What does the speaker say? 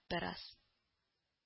Бераз